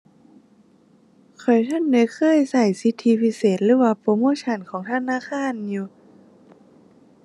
ข้อยทันได้เคยใช้สิทธิพิเศษ หรือว่าโปรโมชันของธนาคารอยู่